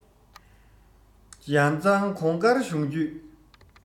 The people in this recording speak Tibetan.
ཡར གཙང གོང དཀར གཞུང བརྒྱུད